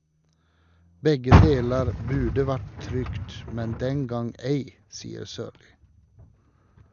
Begge deler burde vært trygt, men den gang ei , sier Sørli.